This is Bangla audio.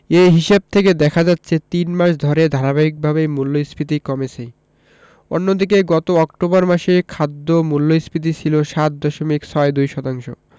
এ হিসাব থেকে দেখা যাচ্ছে তিন মাস ধরে ধারাবাহিকভাবেই মূল্যস্ফীতি কমেছে অন্যদিকে গত অক্টোবর মাসে খাদ্য মূল্যস্ফীতি ছিল ৭ দশমিক ৬২ শতাংশ